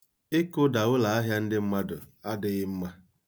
Ịkụda ụlọahịa ndị mmadụ adịghị mma.